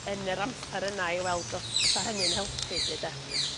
yn yr amser yna i weld os fysa hynny'n helpu 'lly 'de.